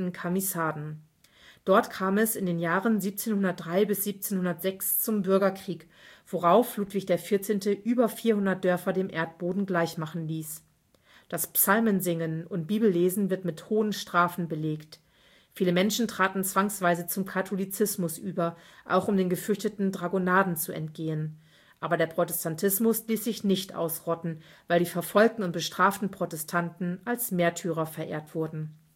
Camisarden). Dort kam es in den Jahren 1703 bis 1706 zum Bürgerkrieg, worauf Ludwig XIV. über 400 Dörfer dem Erdboden gleichmachen ließ. Das Psalmensingen und Bibellesen wird mit hohen Strafen belegt. Viele Menschen traten zwangsweise zum Katholizismus über, auch um den gefürchteten Dragonaden zu entgehen. Aber der Protestantismus ließ sich nicht ausrotten, weil die verfolgten und bestraften Protestanten als Märtyrer verehrt wurden